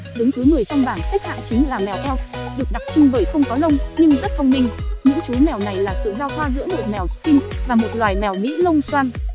đứng thứ trong bảng xếp hạng chính là mèo elf được đặc trưng bởi không có lông nhưng rất thông minh những chú mèo này là sự giao thoa giữa một mèo sphynx và một loài mèo mỹ lông xoăn